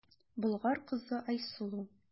Болгар кызы Айсылу.